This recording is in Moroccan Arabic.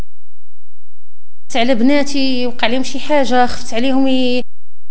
جعل بناتي وقاعد يمشي حاجه اخذت عليهم